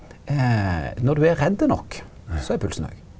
eee% når du er redd nok så er pulsen høg.